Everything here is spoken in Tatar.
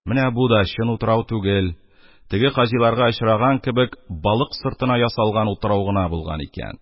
Менә бу да чын утрау түгел, теге хаҗиларга очраган кебек, балык сыртына ясалган утрау гына булган икән.